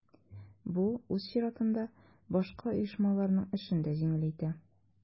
Бу үз чиратында башка оешмаларның эшен дә җиңеләйтә.